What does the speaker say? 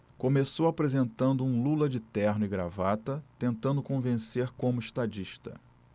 começou apresentando um lula de terno e gravata tentando convencer como estadista